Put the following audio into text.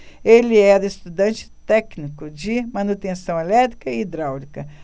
ele era estudante e técnico de manutenção elétrica e hidráulica